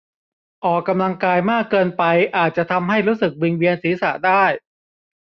ออกกำลังกายมากเกินไปอาจจะทำให้รู้สึกวิงเวียนศีรษะได้